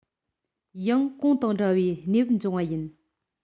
ཡང གོང དང འདྲ བའི གནས བབ འབྱུང བ ཡིན